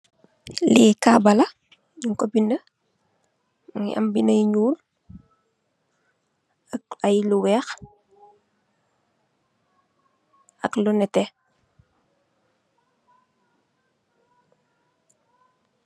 Li kabba la, nyunko binda. Mungi am binda yu nul ak ay lu weex ak lu nette